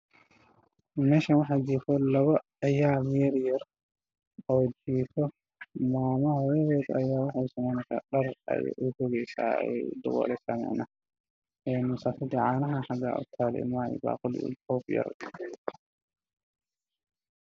Meeshan waxaa taagan hooyo iyo cunug waxaa ag yaalla masaajada lagu siiyo ilmaha caanaha